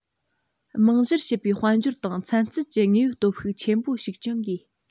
རྨང གཞིར བྱེད པའི དཔལ འབྱོར དང ཚན རྩལ གྱི དངོས ཡོད སྟོབས ཤུགས ཆེན པོ ཞིག ཀྱང དགོས